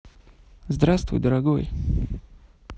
здравствуй дорогой